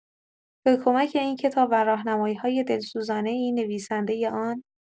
به کمک این کتاب و راهنمایی‌های دلسوزانۀ نویسنده آن